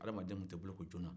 hadamaden tun tɛ boloko jɔɔna